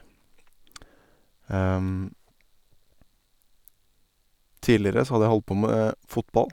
Tidligere så hadde jeg holdt på med fotball.